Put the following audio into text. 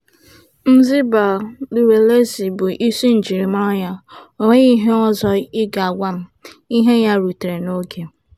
# Mzimba Luwelezi bụ isi njiri mara ya - O nweghi ihe ọzọ ị ga-agwa m.ihe ya rutere n'oge